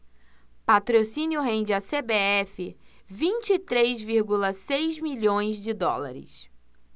patrocínio rende à cbf vinte e três vírgula seis milhões de dólares